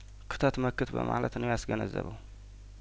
ክተት መክት በማለት ነው ያስገነዘበው